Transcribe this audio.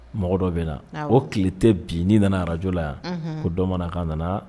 Mɔgɔ dɔ bɛ na o tile tɛ bi n'i nana arajo la yan ko dɔ man nan k'a nana